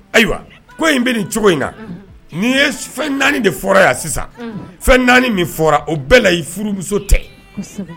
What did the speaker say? Ayiwa ko in bɛ nin cogo in na, unhun, ni ye fɛn naani de fɔra yan sisan, unhun, fɛn naani min fɔra o bɛɛ la i furumuso tɛ, kosɛbɛ.